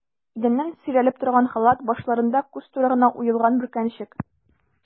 Идәннән сөйрәлеп торган халат, башларында күз туры гына уелган бөркәнчек.